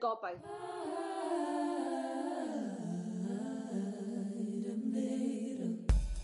gobaith.